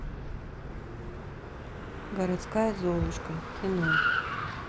городская золушка кино